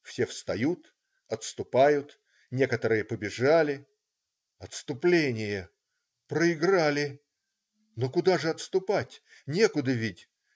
Все встают, отступают, некоторые побежали. Отступление! Проиграли! Но куда же отступать! Некуда ведь!